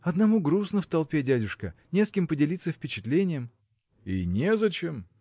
– Одному грустно в толпе, дядюшка; не с кем поделиться впечатлением. – И незачем!